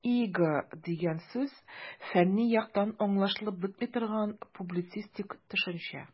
"иго" дигән сүз фәнни яктан аңлашылып бетми торган, публицистик төшенчә.